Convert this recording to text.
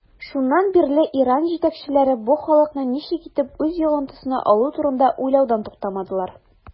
Шуннан бирле Иран җитәкчеләре бу халыкны ничек итеп үз йогынтысына алу турында уйлаудан туктамадылар.